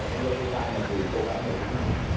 con dâu tương lai mình thì cô cảm nhận như thế nào